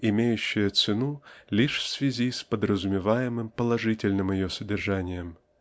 имеющее цену лишь в связи с подразумеваемым положительным ее содержанием.